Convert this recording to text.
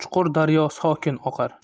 chuqur daryo sokin oqar